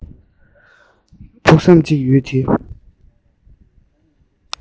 ཕུགས བསམ གཅིག ཡོད དེ